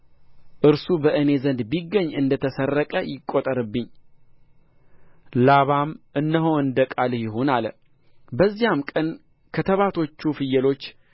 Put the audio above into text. እርሱ በእኔ ዘንድ ቢገኝ እንደ ተሰረቀ ይቆጠርብኝ ላባም እነሆ እንደ ቃልህ ይሁን አለ በዚያም ቀን ከተባቶቹ ፍየሎች